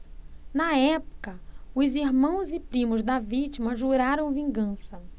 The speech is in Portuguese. na época os irmãos e primos da vítima juraram vingança